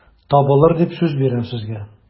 Табылыр дип сүз бирәм сезгә...